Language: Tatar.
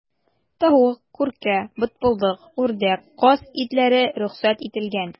Тавык, күркә, бытбылдык, үрдәк, каз итләре рөхсәт ителгән.